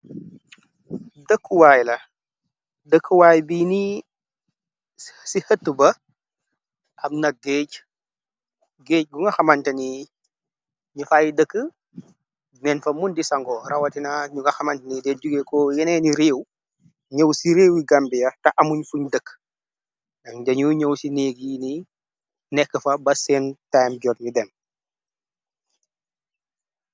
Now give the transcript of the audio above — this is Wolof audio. Dëkkuwaay la dëkkwaay bi ni ci hëttu ba ab nak géeg géeg gi nga xamante ni ñu fay dëka nen fa mun di sango rawatina ñu nga xamant ni den jóge ko yenee ni réew ñyow ci réew yi Gambia te amuñ fuñ dëka de nyow ci neeg yi neka fa ba seen time jot ñu dem.